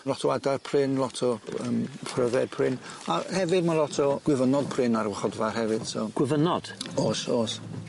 Lot o adar prin lot o yym pryfed prin a hefyd ma' lot o gwyfynod prin ar y warchodfa hefyd so... Gwyfynod? O's o's.